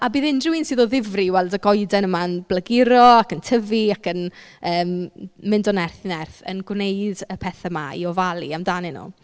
A bydd unrhyw un sydd o ddifri weld y goeden yma yn blaguro ac yn tyfu ac yn yym mynd o nerth i nerth yn gwneud y pethau 'ma i ofalu amdanyn nhw.